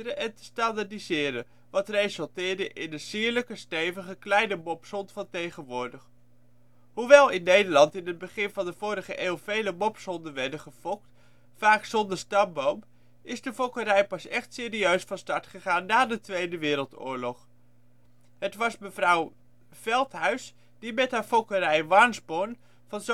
en te standaardiseren, wat resulteerde in de sierlijke, stevige, kleine Mopshond van tegenwoordig. Hoewel in Nederland in het begin van de vorige eeuw vele Mopshonden werden gefokt, vaak zonder stamboom, is de fokkerij pas echt serieus van start gegaan na de Tweede Wereldoorlog. Het was mevr. Chr. Veldhuis die met haar fokkerij " Warnsborn " van